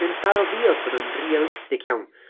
Be wnaeth daro fi oedd bod o'n realistig iawn.